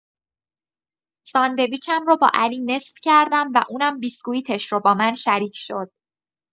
ساندویچم رو با علی نصف کردم و اونم بیسکویتش رو با من شریک شد.